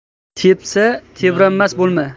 tepsa tebranmas bo'lma